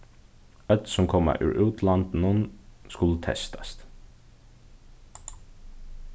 øll sum koma úr útlandinum skulu testast